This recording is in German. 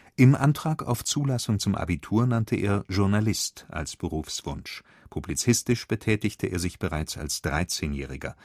Im Antrag auf Zulassung zum Abitur nannte er Journalist als Berufswunsch. Publizistisch betätigte er sich bereits als 13-Jähriger